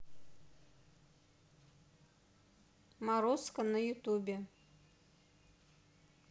морозко на ютубе